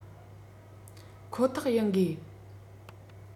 ཁོ ཐག ཡིན དགོས